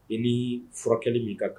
I ni furakɛli min min ka kan